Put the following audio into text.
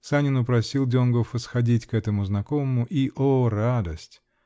Санин упросил Донгофа сходить к тому знакомому, и -- о радость!